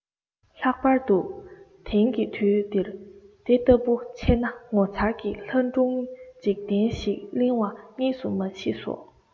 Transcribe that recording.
ལྷག པར དུ དེང གི དུས འདིར དེ ལྟ བུ འཆད ན ངོ མཚར གྱི ལྷ སྒྲུང འཇིག རྟེན ཞིག གླེང བ གཉིས སུ མ མཆིས སོ